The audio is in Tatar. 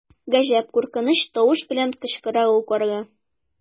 Гаҗәп куркыныч тавыш белән кычкыра ул карга.